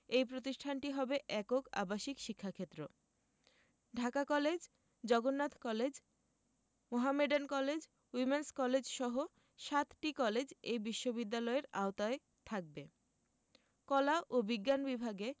এই প্রতিষ্ঠানটি হবে একক আবাসিক শিক্ষাক্ষেত্র Dhaka college Jagannath college Mohammedan college women's কলেজসহ সাতটি কলেজ এ বিশ্ববিদ্যালয়ের আওতায় থাকবে কলা ও বিজ্ঞান বিভাগে